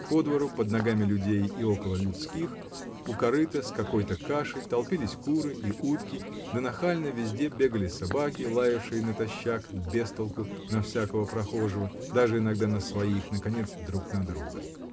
По двору, под ногами людей и около людских, у корыта с какой-то кашей толпились куры и утки, да нахально везде бегали собаки, лаявшие натощак без толку на всякого прохожего, даже иногда на своих, наконец, друг на друга.